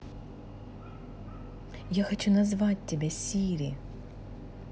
я хочу назвать тебя сири